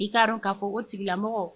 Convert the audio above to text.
I k ka dɔn k'a fɔ o tigila mɔgɔ